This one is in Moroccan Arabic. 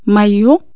مأيو